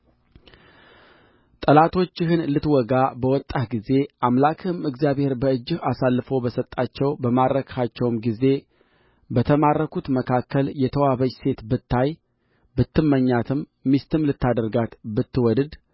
ጠላቶችህን ልትወጋ በወጣህ ጊዜ አምላክህም እግዚአብሔር በእጅህ አሳልፎ በሰጣቸው በማረክሃቸውም ጊዜ በተማረኩት መካከል የተዋበች ሴት ብታይ ብትመኛትም ሚስትም ልታደርጋት ብትወድድ